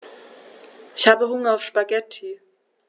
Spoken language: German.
Ich habe Hunger auf Spaghetti.